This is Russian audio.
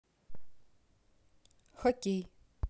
хоккей